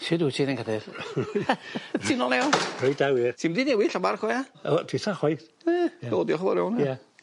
Shud wyt ti 'r hen yn cradur? Ti'n o lew? Reit da wir. Ti'm 'di newid llawer cofia. O titha chwaith. Y cŵl diolch yn fowr iawn Ie.